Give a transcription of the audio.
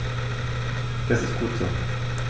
Das ist gut so.